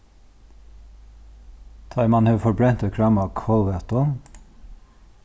tá ið mann hevur forbrent eitt gramm av kolvætu